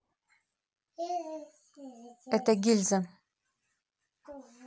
это гильза